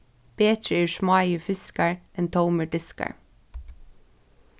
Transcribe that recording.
betri eru smáir fiskar enn tómir diskar